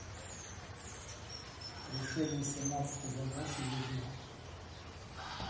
решение семнадцатой задачи егэ